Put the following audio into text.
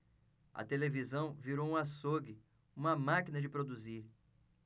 a televisão virou um açougue uma máquina de produzir